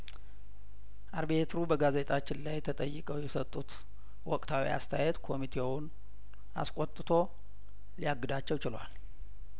አርቢትሩ በጋዜጣችን ላይ ተጠይቀው የሰጡት ወቅታዊ አስተያየት ኮሚቴውን አስቆጥቶ ሊያግዳቸው ችሏል